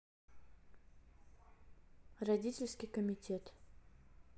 родительский комитет